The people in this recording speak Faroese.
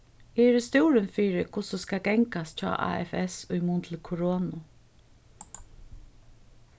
eg eri stúrin fyri hvussu skal gangast hjá afs í mun til koronu